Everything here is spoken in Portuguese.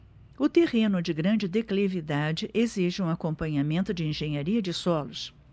o terreno de grande declividade exige um acompanhamento de engenharia de solos